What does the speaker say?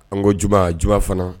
An ko ju dug fana